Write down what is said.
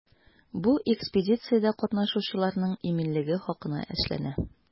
Бу экспедициядә катнашучыларның иминлеге хакына эшләнә.